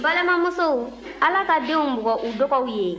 n balimamusow ala ka denw bugɔ u dɔgɔw ye